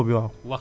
ci taw bi waaw